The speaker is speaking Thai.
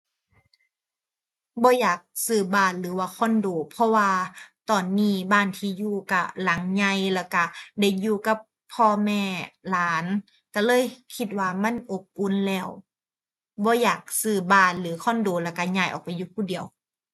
บ่อยากซื้อบ้านหรือว่าคอนโด เพราะว่าตอนนี้บ้านที่อยู่ก็หลังใหญ่แล้วก็ได้อยู่กับพ่อ แม่ หลาน ก็เลยคิดว่ามันอบอุ่นแล้ว บ่อยากซื้อบ้านหรือคอนโดแล้วก็ย้ายออกไปอยู่ผู้เดียว